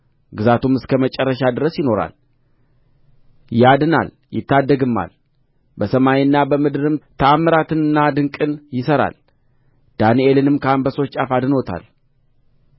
ግዛቱም እስከ መጨረሻ ድረስ ይኖራል ያድናል ይታደግማል በሰማይና በምድርም ተአምራትንና ድንቅን ይሠራል ዳንኤልንም ከአንበሶች አፍ አድኖታል